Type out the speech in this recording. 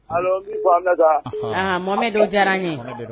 Ala' bɔn taa mɔmɛ don diyara n ye